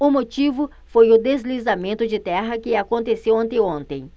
o motivo foi o deslizamento de terra que aconteceu anteontem